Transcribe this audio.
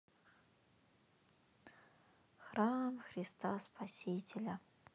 храм христа спасителя